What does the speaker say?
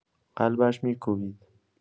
قلبش می‌کوبید.